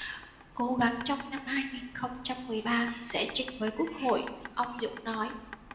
cố gắng trong năm hai nghìn không trăm mười ba sẽ trình với quốc hội ông dũng nói